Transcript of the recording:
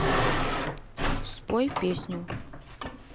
спой песню